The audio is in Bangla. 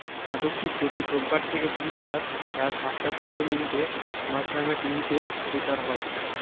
নাটকটি প্রতি রোববার থেকে বুধবার রাত ৮টা ১৫ মিনিটে মাছরাঙা টিভিতে প্রচার হয়